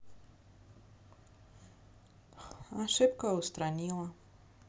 ошибка устранила